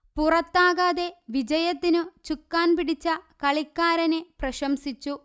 പുറത്താകാതെ വിജയത്തിനു ചുക്കാൻപിടിച്ച കളിക്കാരനെ പ്രശംസിച്ചു